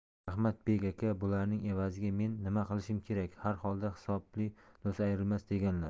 rahmat bek aka bularning evaziga men nima qilishim kerak har holda hisobli do'st ayrilmas deganlar